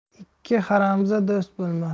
ikki haramza do'st bo'lmas